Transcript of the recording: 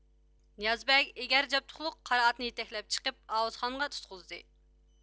نىياز بەگ ئېگەر جابدۇقلۇق قارا ئاتنى يېتەكلەپ چىقىپ ئاۋۇتخانغا تۇتقۇزدى